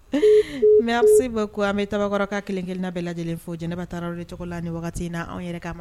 Merci beaucoup an Tabakɔrɔka bɛɛ lajɛlen fo Jɛnɛba Tarawele tɔgɔ la nin waati wagati in na anw yɛrɛ k'a ma